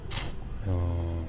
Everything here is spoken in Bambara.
H